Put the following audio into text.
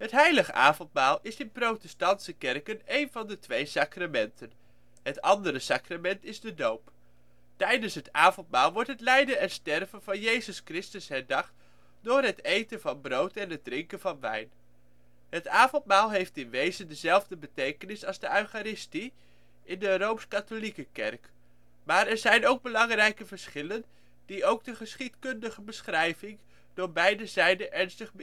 Heilig Avondmaal is in protestantse kerken één van de twee sacramenten (het andere sacrament is de doop). Tijdens het avondmaal worden het lijden en het sterven van Jezus Christus herdacht door het eten van brood en het drinken van wijn. Het avondmaal heeft in wezen dezelfde betekenis als de eucharistie in de Rooms-Katholieke kerk, maar er zijn ook belangrijke verschillen, die ook de geschiedkundige beschrijving door beide zijden ernstig beïnvloeden